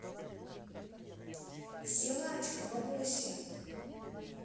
силачка бабуси